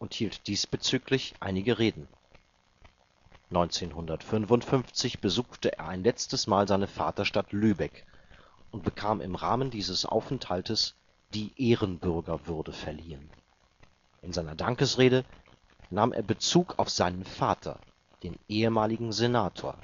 hielt diesbezüglich einige Reden. 1955 besuchte er ein letztes Mal seine Vaterstadt Lübeck und bekam im Rahmen dieses Aufenthaltes die Ehrenbürgerwürde verliehen. In seiner Dankesrede nahm er Bezug auf seinen Vater, den ehemaligen Senator